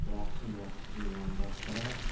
yaxshi yaxshiga yondashtirar